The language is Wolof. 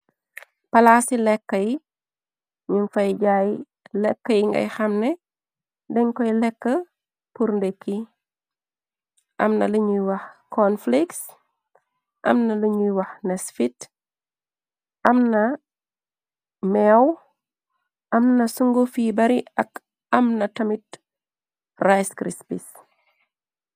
Palaasi lekkay ñu fay jaay lekka yu ngay xamne deñ koy lekk purndekki amna lañuy wax conflax amna lañuy wax nesfit amna meew amna sëngo fi bari ak am na tamit risecrisfish.